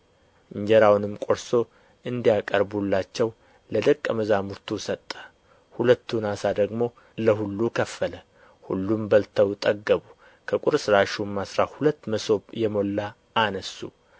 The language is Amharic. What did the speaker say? እንጀራውንም ቈርሶ እንዲያቀርቡላቸው ለደቀ መዛሙርቱ ሰጠ ሁለቱን ዓሣ ደግሞ ለሁሉ ከፈለ ሁሉም በልተው ጠገቡ ከቍርስራሹም አሥራ ሁለት መሶብ የሞላ አነሡ